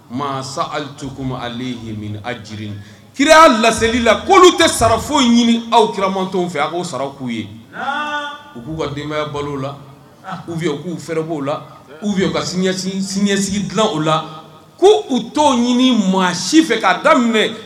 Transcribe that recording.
Maa sa ali to kuma ale ye a jiri kiya laselili la ko'olu tɛ sarafo ɲini aw kiramantɔnw fɛ a'o sara k'u ye u k'u ka binbayaya balo la u k'u fɛ'o la uye ka sisigi dilan u la ko u' ɲini maa si fɛ k'a daminɛ